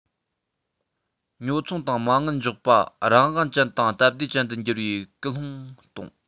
ཉོ ཚོང དང མ དངུལ འཇོག པ རང དབང ཅན དང སྟབས བདེ ཅན དུ འགྱུར བའི སྐུལ སྤེལ གཏོང